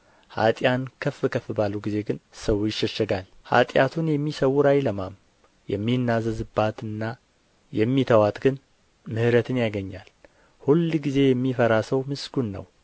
ኀጥኣን ከፍ ከፍ ባሉ ጊዜ ግን ሰው ይሸሸጋል ኃጢአቱን የሚሰውር አይለማም የሚናዘዝባትና የሚተዋት ግን ምሕረትን ያገኛል ሁልጊዜ የሚፈራ ሰው ምስጉን ነው